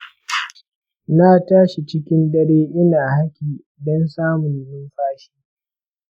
na tashi cikin dare ina haki don samun numfashi